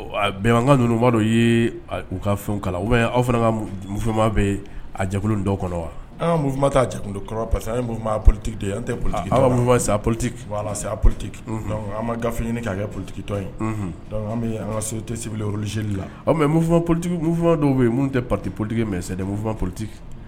Bɛn an ninnubaa dɔ ye u ka fɛn kala aw fana ka muma bɛ yen a jɛkolon dɔw kɔnɔ wa anma taa jɛdo kɔrɔ parce que politigi ye an tɛ poli aw mun sa poli politigi an gafe ɲini k'a kɛ politigi tɔ ye an bɛ an ka so tɛsizli la mɛoli dɔw bɛ yen minnu tɛ p pati politigi mɛ politigi